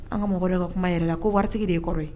An ka mɔgɔ de ka kuma yɛrɛ la ko waritigi de ye kɔrɔ ye